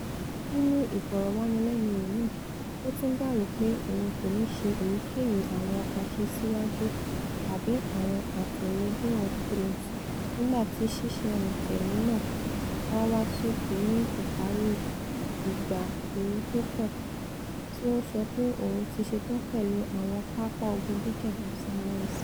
nínú ìfọ̀rọ̀wánilẹ́nuwò náà o tún gbà wí pé òun kòní ṣe èyíkéyìí àwọn àṣesíwáju tàbí àwọn àtẹ̀lé Game of Thrones nígbà tí ṣíṣẹ̀-n-tẹ̀lé náà bá wá sópin ní ìparí ìgbà ooru tókàn, tí ó ńsọ pé òun ti 'ṣetán pẹ̀lú àwọn pápá ogun jíjà àti àwọn ẹsin'.